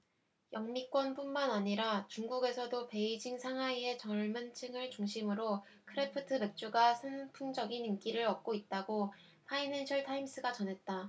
영미권뿐만 아니라 중국에서도 베이징 상하이의 젊은층을 중심으로 크래프트 맥주가 선풍적인 인기를 얻고 있다고 파이낸셜타임스가 전했다